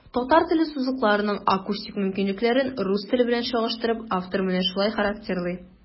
Татар теле сузыкларының акустик мөмкинлекләрен, рус теле белән чагыштырып, автор менә шулай характерлый.